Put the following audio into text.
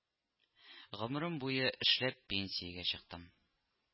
Омерем буе эшләп пенсиягә чыктым. ә